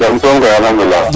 jam soom kay alkhadoulila